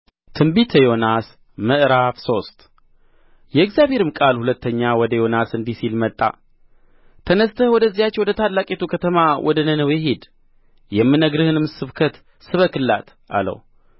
ትንቢተ ዮናስ ምዕራፍ ሶስት የእግዚአብሔርም ቃል ሁለተኛ ወደ ዮናስ እንዲህ ሲል መጣ ተነሥተህ ወደዚያች ወደ ታላቂቱ ከተማ ወደ ነነዌ ሂድ የምነግርህንም ስብከት ስበክላት አለው